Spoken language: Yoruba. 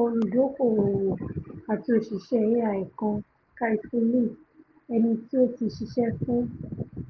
Olùdóko-òwò àti òṣìṣẹ́ AI kan, Kai-Fu Lee, ẹniti ó ti ṣiṣẹ́ fún